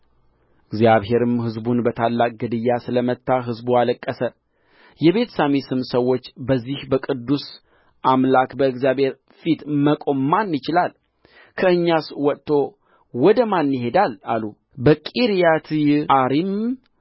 እግዚአብሔርም ሕዝቡን በታላቅ ግዳይ ስለ መታ ሕዝቡ አለቀሰ የቤትሳሚስም ሰዎች በዚህ በቅዱስ አምላክ በእግዚአብሔር ፊት መቆም ማን ይችላል ከእኛስ ወጥቶ ወደ ማን ይሄዳል አሉ በቂርያትይዓሪምም